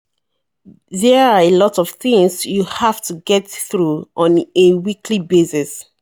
There are a lot of things you have to get through on a weekly basis.